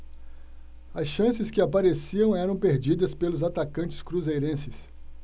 as chances que apareciam eram perdidas pelos atacantes cruzeirenses